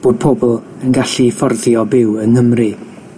bod pobl yn gallu fforddio byw yng Nghymru.